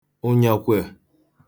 ụ̀nyàkwhè